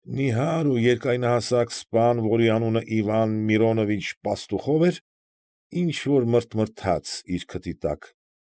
Նիհար ու երկայնահասակ սպան, որի անունը Իվան Միրոնովիչ Պաստուխով էր, ինչ֊որ մրթմրթաց իր քթի տակ։